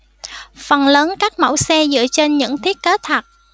phần lớn các mẫu xe dựa trên những thiết kế thật